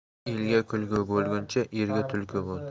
elga kulgu bo'lguncha erga tulki bo'l